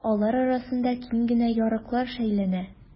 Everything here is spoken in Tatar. Алар арасында киң генә ярыклар шәйләнә.